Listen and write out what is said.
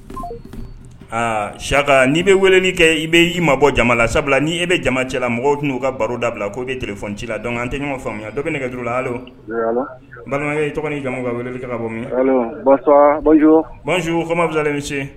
Sika n'i bɛ wele kɛ i bɛ ii ma bɔ jama la sabula n' e bɛ jama cɛ la mɔgɔ tɛna'u ka baro da bila k' bɛ t fɔ ci la dɔn an tɛ ɲɔgɔn faamuya ne kaurula balimakɛ i tɔgɔ jamu ka wele ka bɔjoma fisalen